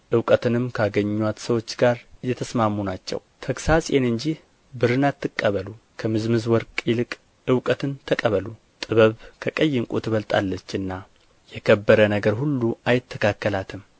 እውቀትንም ካገኙአት ሰዎች ጋር የተስማሙ ናቸው ተግሣጼን እንጂ ብርን አትቀበሉ ከምዝምዝ ወርቅም ይልቅ እውቀትን ተቀበሉ ጥበብ ከቀይ ዕንቍ ትበልጣለችና የከበረ ነገር ሁሉ አይተካከላትም